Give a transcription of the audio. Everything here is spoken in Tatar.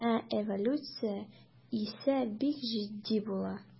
Ә эволюция исә бик җитди була.